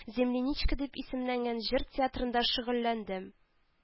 «земляничка» дип исемләнгән җыр театрында шөгыльләндем